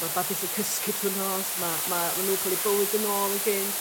ma'r babis yn cysgu trw'r nos ma' ma' ma' nw'n ca'l eu bywyd yn ôl yn gynt